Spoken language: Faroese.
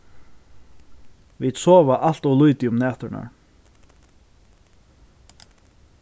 vit sova alt ov lítið um næturnar